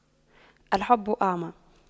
الحب أعمى